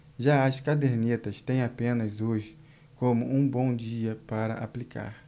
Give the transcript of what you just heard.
já as cadernetas têm apenas hoje como um bom dia para aplicar